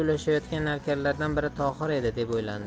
ulashayotgan navkarlardan biri tohir edi deb o'ylandi